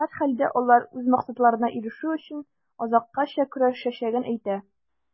Һәрхәлдә, алар үз максатларына ирешү өчен, азаккача көрәшәчәген әйтә.